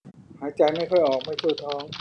หายใจไม่ค่อยออกไม่ทั่วท้อง